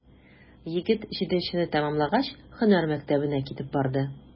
Егет, җиденчене тәмамлагач, һөнәр мәктәбенә китеп барды.